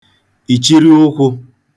ìchiri ụkwụ̄